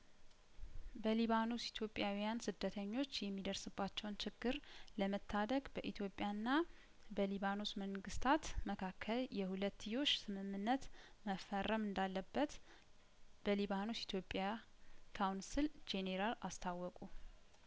በሊባኖስ ኢትዮጵያውያን ስደተኞች የሚደርስ ባቸውን ችግር ለመታደግ በኢትዮጵያ ና በሊባኖስ መንግስታት መካከል የሁለትዮሽ ስምምነት መፈረም እንዳለበት በሊባኖስ ኢትዮጵያ ካውንስል ጄኔራል አስታወቁ